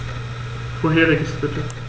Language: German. Vorheriges bitte.